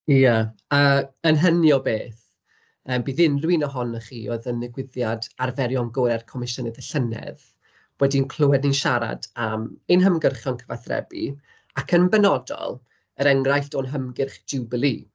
Ia, a yn hynny o beth, yym bydd unrhyw un ohonoch chi oedd yn nigwyddiad arferion gorau'r Comisiynydd y llynedd, wedi'n clywed ni'n siarad am ein hymgyrchon cyfathrebu, ac yn benodol, yr enghraifft o'n hymgyrch Jiwbili.